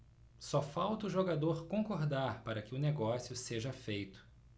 só falta o jogador concordar para que o negócio seja feito